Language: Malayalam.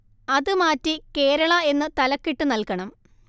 അത് മാറ്റി കേരള എന്ന് തലക്കെട്ട് നൽകണം